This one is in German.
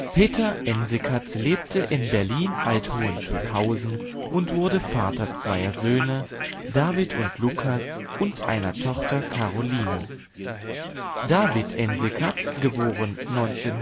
Peter Ensikat lebte in Berlin-Alt-Hohenschönhausen und wurde Vater zweier Söhne, David und Lukas, und einer Tochter, Karoline. David Ensikat (* 1968